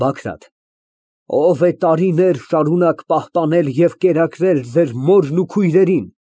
ԲԱԳՐԱՏ ֊ Ո՞վ է տարիներ շարունակ պահպանել և կերակրել ձեր մորն ու քույրերին։